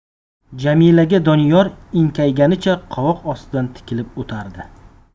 jamilaga doniyor enkayganicha qovoq ostidan tikilib o'tardi